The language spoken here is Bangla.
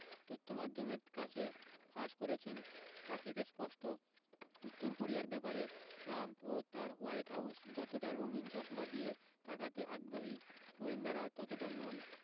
তথ্যমাধ্যমের কাছে ফাঁস করেছেন তা থেকে স্পষ্ট উত্তর কোরিয়ার ব্যাপারে ট্রাম্প ও তাঁর হোয়াইট হাউস যতটা রঙিন চশমা দিয়ে তাকাতে আগ্রহী গোয়েন্দারা ততটা নন